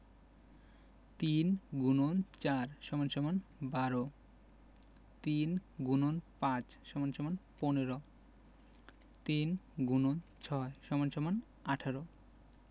৩ X ৪ = ১২ ৩ X ৫ = ১৫ ৩ x ৬ = ১৮